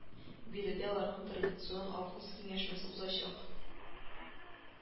Биредә аларның традицион август киңәшмәсе узачак